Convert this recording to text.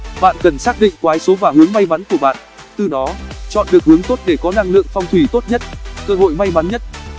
bạn cần xác định quái số và hướng may mắn của bạn từ đó chọn được hướng tốt để có năng lượng phong thủy tốt nhất cơ hội may mắn nhất